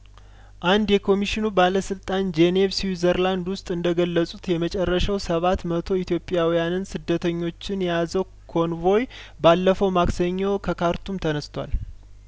አንድ የኮሚሽኑ ባለስልጣን ጄኔቭ ስዊዘርላንድ ውስጥ እንደገለጹት የመጨረሻው ሰባት መቶ ኢትዮጵያውያን ስደተኞችን የያዘው ኮንቮይባለፈው ማክሰኞ ከካርቱም ተነስቷል